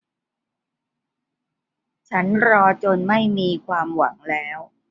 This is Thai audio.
ฉันรอจนไม่มีความหวังแล้ว